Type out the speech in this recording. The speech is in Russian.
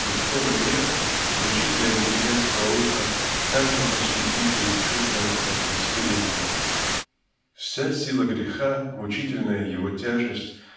что слово грех звучит для интеллигентского уха так же почти дико и чуждо как смирение. Вся сила греха мучительная его тяжесть